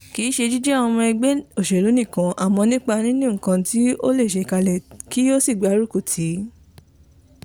Kìí ṣe jíjẹ́ ọmọ ẹgbẹ́ òṣèlú nìkan, àmọ́ nípa níní nǹkan tí ó lè ṣe kalẹ̀, kí ó sì gbárùkù tì í.